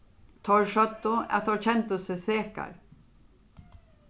teir søgdu at teir kendu seg sekar